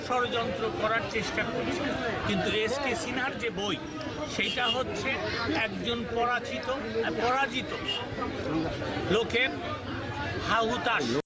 ষড়যন্ত্র করার চেষ্টা করছে কিন্তু এস কে সিনহার যে বই সেটা হচ্ছে একজন পরাজিত পরাজিত লোকের হা হুতাশ